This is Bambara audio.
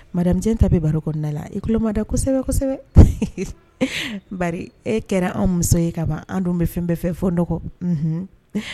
Mara ta bɛ baro kɔnɔnada la i tulolomada kosɛbɛ kosɛbɛ ba e kɛra an muso ye ka ban an dun bɛ fɛn bɛɛ fɛ fo n dɔgɔkɔ